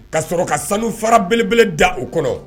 Ka sɔrɔ ka sanu fara belebele da o kɔnɔ